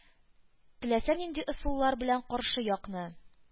Теләсә нинди ысуллар белән каршы якны